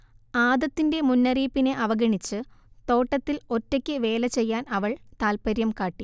ആദത്തിന്റെ മുന്നറിയിപ്പിനെ അവഗണിച്ച് തോട്ടത്തിൽ ഒറ്റയ്ക്ക് വേലചെയ്യാൻ അവൾ താത്പര്യം കാട്ടി